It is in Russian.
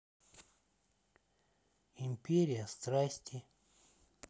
империя страсти